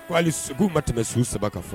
Ko hali su k'u ma tɛmɛ su 3 kan fɔ